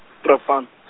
Brakpan.